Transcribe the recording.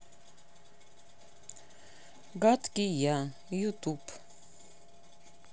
гадкий я ютуб